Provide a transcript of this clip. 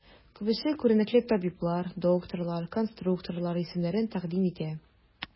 Күбесе күренекле табиблар, дикторлар, конструкторлар исемнәрен тәкъдим итә.